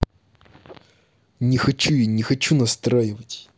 не хочу я не хочу настраивать